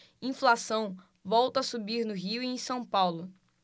inflação volta a subir no rio e em são paulo